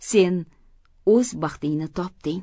sen o'z baxtingni topding